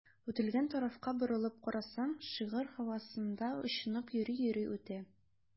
Үтелгән тарафка борылып карасаң, шигырь һавасында очынып йөри-йөри үтә.